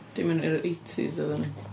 Dim yn yr eighties oedd o, naci?